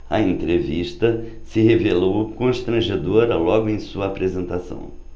a entrevista se revelou constrangedora logo em sua apresentação